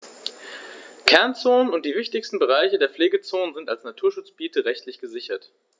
Kernzonen und die wichtigsten Bereiche der Pflegezone sind als Naturschutzgebiete rechtlich gesichert.